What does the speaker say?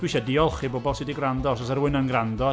Dwi isie diolch i bobl sy 'di gwrando, os oes 'na rywun yn gwrando.